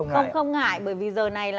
không không ngại bởi vì là giờ này